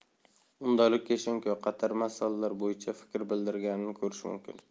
unda lukashenko qator masalalar bo'yicha fikr bildirganini ko'rish mumkin